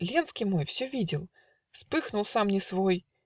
Ленский мой Все видел: вспыхнул, сам не свой